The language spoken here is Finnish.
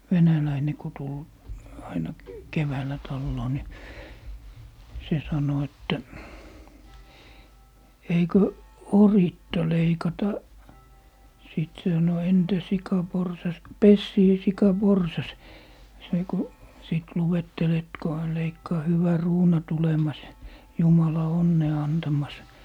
venäläinen kun tuli aina keväällä taloon niin se sanoi että eikö oritta leikata sitten se sanoi entä sika porsas pessie sika porsas se kun sitten luetteli että kun hän leikkaa hyvä ruuna tulemas jumala onnea antamas